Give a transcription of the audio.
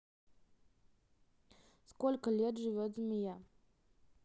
сколько лет живет змея